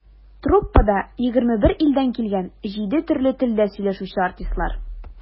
Труппада - 21 илдән килгән, җиде төрле телдә сөйләшүче артистлар.